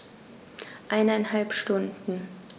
Eineinhalb Stunden